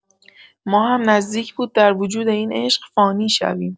ما هم نزدیک بود در وجود این عشق، فانی شویم.